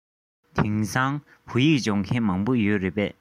དེང སང བོད ཡིག སྦྱོང མཁན མང པོ ཡོད རེད པས